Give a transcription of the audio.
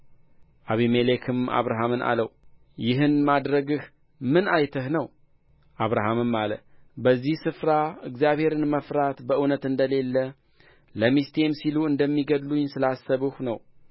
አቢሜሌክም አብርሃምን አለው ይህን ማድረግህ ምን አይተህ ነው አብርሃምም አለ በዚህ ስፍራ እግዚአብሔርን መፍራት በእውነት እንደሌለ ለሚስቴም ሲሉ እንደሚገድሉኝ ስላሰብሁ ነው